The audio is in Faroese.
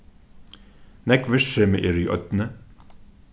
nógv virksemi er í oynni